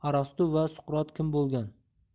va suqrot kim bo'lgan